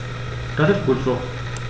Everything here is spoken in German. Das ist gut so.